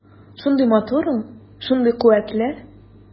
Шундый матур ул, шундый куәтле.